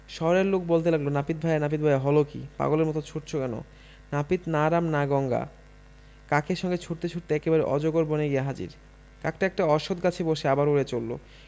শহরের লোক বলতে লাগল নাপিত ভায়া নাপিত ভায়া হল কী পাগলের মতো ছুটছ কেন নাপিত না রাম না গঙ্গা কাকের সঙ্গে ছুটতে ছুটতে একেবারে অজগর বনে গিয়ে হাজির কাকটা একটা অশ্বখ গাছে বসে আবার উড়ে চলল